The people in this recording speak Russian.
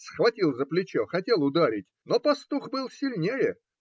Схватил за плечо, хотел ударить, но пастух был сильнее